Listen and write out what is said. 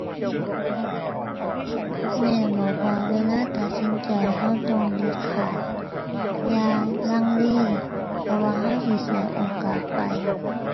แม่บอกว่าเวลาตัดสินใจเราต้องเด็ดขาดอย่าลังเล เพราะว่าเราสิเสียโอกาสไป